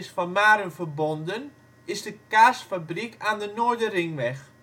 van Marum verbonden is de kaasfabriek aan de Noorderringweg